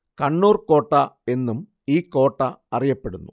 കണ്ണൂര്‍ കോട്ട എന്നും ഈ കോട്ട അറിയപ്പെടുന്നു